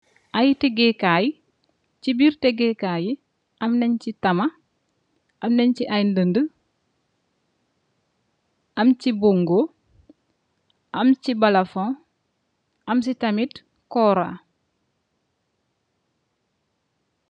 Ay tegé kay, si biir tege kay yi am nen si tama, am nensi ay ndande, am si bogo, am si balafon, am si tamit kora.